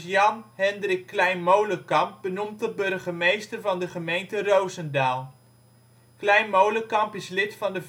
Jan Hendrik Klein Molekamp benoemd tot burgemeester van de gemeente Rozendaal. Klein Molekamp is lid van de